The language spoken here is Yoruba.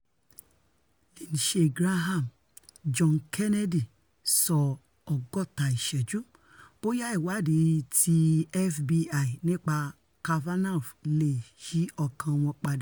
Lindsey Graham, John Kennedy sọ ''Ọgọ́ta Ìṣẹ́jú'' bóyá ìwáàdí ti FBI nípa Kavanaugh leè yí ọkan wọn padà